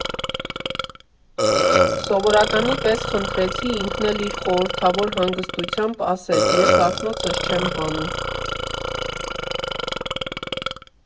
Սովորականի պես խնդրեցի, ինքն էլ իր խորհրդավոր հանգստությամբ ասեց՝ ես ակնոցս չեմ հանում։